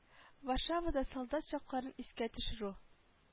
Варшавада солдат чакларын искә төшерү